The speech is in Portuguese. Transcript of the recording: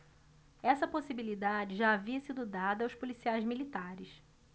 essa possibilidade já havia sido dada aos policiais militares